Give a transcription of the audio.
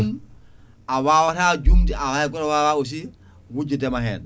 ɗum a wawata jumde hay goto wawa aussi wujudema hen